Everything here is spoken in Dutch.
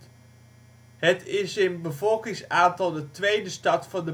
is in bevolkingsaantal de tweede stad van